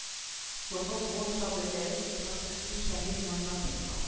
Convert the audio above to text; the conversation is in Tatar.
Соңгы буын шагыйрьләре сибгат хәким шамил маннаповка